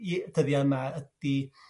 i dyddia' yma ydi